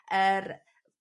yr